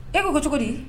E ko ko cogo di